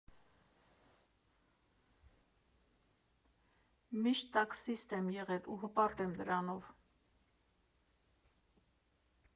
Միշտ տաքսիստ եմ էղել ու հպարտ եմ դրանով։